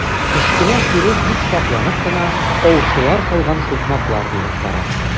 Кечкенә чирү бик сакланып кына аучылар салган сукмаклар буйлап бара.